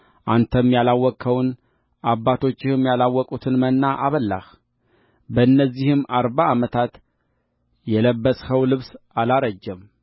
አንተም ያላወቅኸውን አባቶችህም ያላወቁትን መና አበላህበእነዚህ አርባ ዓመታት የለበስኸው ልብስ አላረጀም